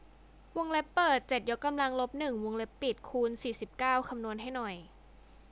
วงเล็บเปิดเจ็ดยกกำลังลบหนึ่งวงเล็บปิดคูณสี่สิบเก้าคำนวณให้หน่อย